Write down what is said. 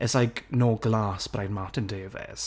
It's like, no glass, but I'm Martin Davies,